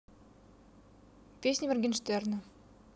песни моргенштерна